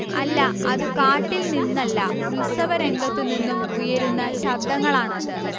അല്ല അതു കാട്ടിൽ നിന്നല്ല ഉൽസവരംഗത്തുനിന്നും ഉയരുന്ന ശബ്ദങ്ങളാണത്